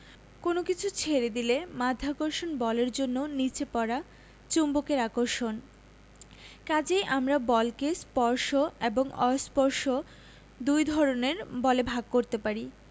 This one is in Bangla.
কোনো কিছু ছেড়ে দিলে মাধ্যাকর্ষণ বলের জন্য নিচে পড়া চুম্বকের আকর্ষণ কাজেই আমরা বলকে স্পর্শ এবং অস্পর্শ দুই ধরনের বলে ভাগ করতে পারি